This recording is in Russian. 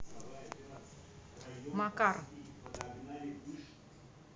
макар